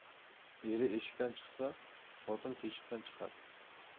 eri eshikdan chiqsa xotin teshikdan chiqar